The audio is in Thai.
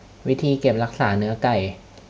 วิธีเก็บรักษาเนื้อไก่